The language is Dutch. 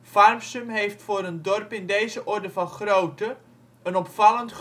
Farmsum heeft voor een dorp in deze orde van grootte een opvallend